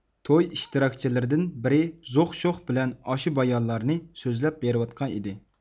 توي ئىشتراكچىلىرىدىن بىرى زوق شوخ بىلەن ئاشۇ بايانلارنى سۆزلەپ بېرىۋاتقان ئىدى